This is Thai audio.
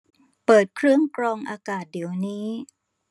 เปิดเครื่องกรองอากาศเดี๋ยวนี้